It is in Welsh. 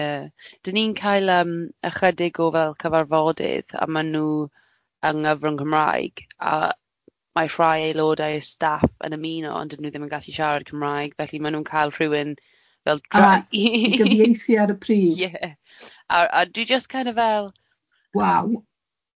Ie. Dan ni'n cael yym ychydig o fel cyfarfodydd, a maen nhw yng nghyfrwng Cymraeg, a mae rhai aelodau staff yn ymuno ond dydyn nhw ddim yn gallu siarad Cymraeg, felly maen nhw'n cael rhywun fel dry- Ie. ...i gyfieithu ar y pryd a dwi jyst kind of fel waw.